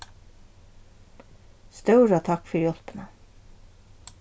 stóra takk fyri hjálpina